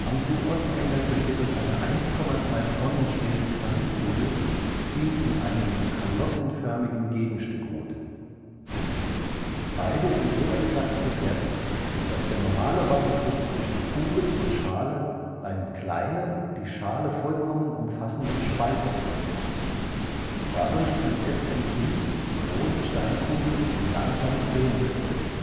am Südost-Eingang besteht aus einer 1,2 Tonnen schweren Granit-Kugel, die in einem kalottenförmigen Gegenstück ruht. Beide sind so exakt gefertigt, dass der normale Wasserdruck zwischen Kugel und Schale einen kleinen, die Schale vollkommen umfassenden Spalt erzeugt. Dadurch kann selbst ein Kind die große Steinkugel in langsame Drehung versetzen